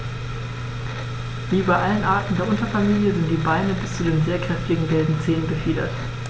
Wie bei allen Arten der Unterfamilie sind die Beine bis zu den sehr kräftigen gelben Zehen befiedert.